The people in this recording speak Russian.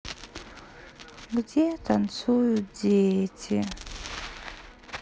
где танцуют дети